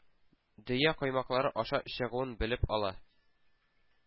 Дөя “коймаклары” аша чыгуын белеп ала.